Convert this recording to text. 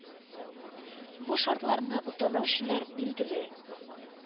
Бу шартларны үтәмәүчеләр, билгеле,